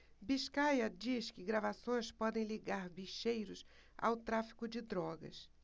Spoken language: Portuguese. biscaia diz que gravações podem ligar bicheiros ao tráfico de drogas